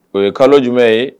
O ye kalo jumɛn ye